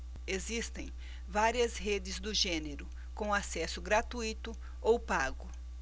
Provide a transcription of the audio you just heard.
existem várias redes do gênero com acesso gratuito ou pago